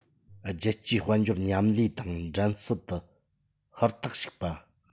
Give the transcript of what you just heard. རྒྱལ སྤྱིའི དཔལ འབྱོར མཉམ ལས དང འགྲན རྩོད དུ ཧུར ཐག ཞུགས པ